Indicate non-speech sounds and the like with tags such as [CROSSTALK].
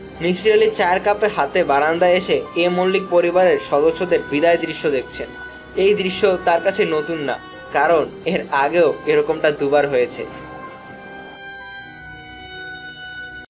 মিসির আলি চায়ের কাপ হাতে বারান্দায় এসে এ মল্লিক পরিবারের সদস্যদের বিদায়-দৃশ্য দেখছেন এই দৃশ্য তাঁর কাছে নতুন না। আগেও দুবার হয়েছে [MUSIC]